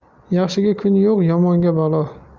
yaxshiga kun yo'q yomonga balo